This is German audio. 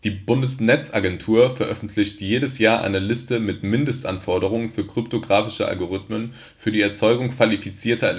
Bundesnetzagentur veröffentlicht jedes Jahr eine Liste mit Mindestanforderungen für kryptographische Algorithmen für die Erzeugung qualifizierter